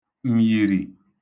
m̀yìrì